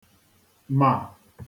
mà